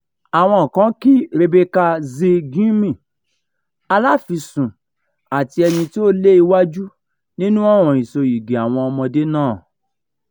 Àwọn kan kí Rebeca Z. Gyumi, aláfisùn àti ẹni tí ó lé wájú nínú ọ̀ràn ìsoyìgì àwọn ọmọdé náà.